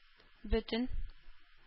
Бөтен